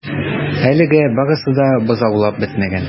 Әлегә барысы да бозаулап бетмәгән.